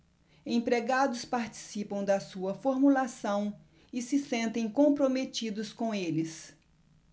empregados participam da sua formulação e se sentem comprometidos com eles